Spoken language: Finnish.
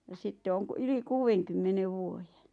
ja sitten on - yli kuudenkymmenen vuoden